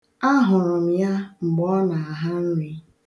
Ahụrụ m ya mgbe ọ na-aha nri.